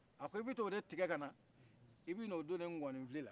a ko i bɛ t'o de tigɛ ka na i bɛ n'o don ne ngɔɔnifile la